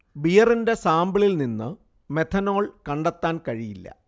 ബിയറിന്റെ സാമ്പിളിൽ നിന്ന് മെഥനോൾ കണ്ടെത്താൻ കഴിയില്ല